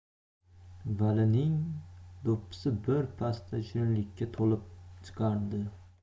valining do'ppisi bir pasda shirinlikka to'lib chiqardi